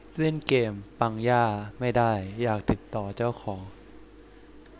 เล่นเกมปังย่าไม่ได้อยากติดต่อเจ้าของ